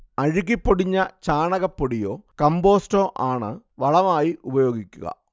അഴുകിപ്പൊടിഞ്ഞ ചാണകപ്പൊടിയോ കമ്പോസ്റ്റോ ആണ് വളമായി ഉപയോഗിക്കുക